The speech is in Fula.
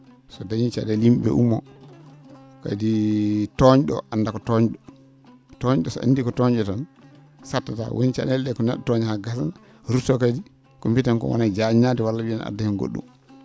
so dañii ca?eele yim?e ?e ngummo kadi tooñ?o oo annda ko tooñ?o tooñ?o so anndii ko tooñ?o tan sattataa woni ca?eele ?ee ko ne??o tooña haa gasna ruttoo kadi ko mbiten ko wona e jaañaade walla wiya no adda heen go??um